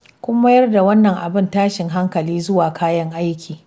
Kun mayar da wannan abun tashin hankali zuwa kayan aiki.